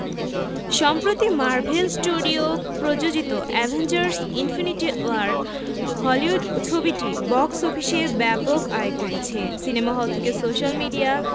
সম্প্রতি Marvel studio প্রযোজিত Avengers Infinity War Hollywood ছবিটি বক্স অফিসে ব্যাপক আয় করছে সিনেমা হল থেকে সোশ্যাল মিডিয়া